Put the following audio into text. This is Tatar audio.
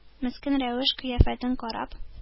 Мескен рәвеш-кыяфәтен карап,